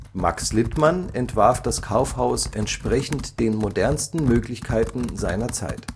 Max Littmann entwarf das Kaufhaus entsprechend den modernsten Möglichkeiten seiner Zeit